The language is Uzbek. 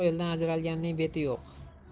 eldan ajralganning beti yo'q